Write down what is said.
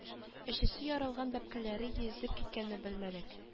Өчесе ярылган бәбкәләре йөзеп киткәнме белмәдек